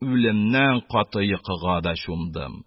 Үлемнән каты йокыга да чумдым.